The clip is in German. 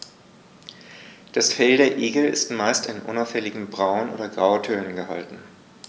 Das Fell der Igel ist meist in unauffälligen Braun- oder Grautönen gehalten.